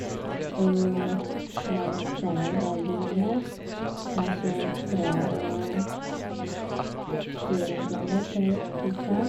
Og jeg trener veldig mye, kanskje tre og f fire ganger per uke.